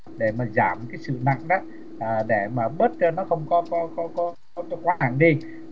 để mà giảm cái sự mặt đất là để mà bớt cho nó không có paul walker hẳn đi